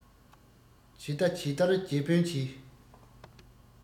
ཇི ལྟ ཇི ལྟར རྗེ དཔོན གྱིས